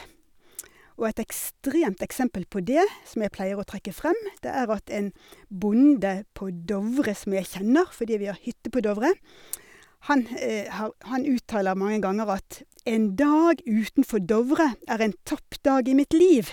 Og et ekstremt eksempel på det, som jeg pleier å trekke frem, det er at en bonde på Dovre som jeg kjenner fordi vi har hytte på Dovre, han har han uttaler mange ganger at En dag utenfor Dovre er en tapt dag i mitt liv.